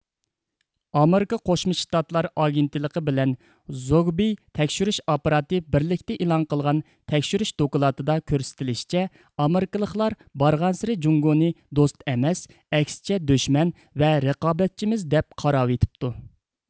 ئامېرىكا قوشما شتاتلار ئاگېنتلىقى بىلەن زوگبىي تەكشۈرۈش ئاپپاراتى بىرلىكتە ئېلان قىلغان تەكشۈرۈش دوكلاتىدا كۆرسىتىلىشىچە ئامېرىكىلىقلار بارغانسېرى جۇڭگونى دوست ئەمەس ئەكسىچە دۈشمەن ۋە رىقابەتچىمىز دەپ قاراۋېتىپتۇ